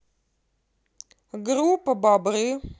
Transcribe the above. группа бобры